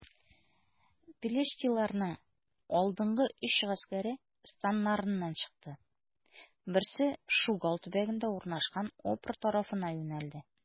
Пелештиләрнең алдынгы өч гаскәре, станнарыннан чыкты: берсе Шугал төбәгендә урнашкан Опра тарафына юнәлде.